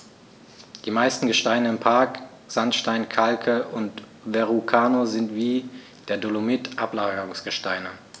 Die meisten Gesteine im Park – Sandsteine, Kalke und Verrucano – sind wie der Dolomit Ablagerungsgesteine.